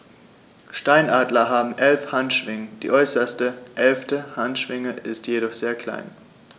Steinadler haben 11 Handschwingen, die äußerste (11.) Handschwinge ist jedoch sehr klein.